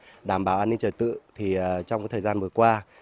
đảm bảo an ninh trật tự thì trong thời gian vừa qua